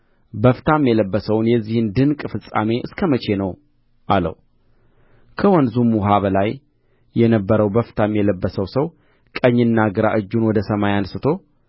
በፍታም የለበሰውን የዚህ ድንቅ ፍጻሜ እስከ መቼ ነው አለው ከወንዙም ውኃ በላይ የነበረው በፍታም የለበሰው ሰው ቀኝና ግራ እጁን ወደ ሰማይ አንሥቶ